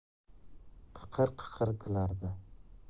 qiqir qiqir kulardi